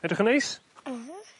...edrych yn neis? M-hm.